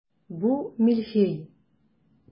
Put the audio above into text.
Бу мильфей.